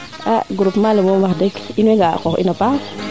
a groupement le moom wax deg in way nga'a qoox ina paax